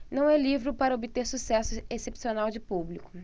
não é livro para obter sucesso excepcional de público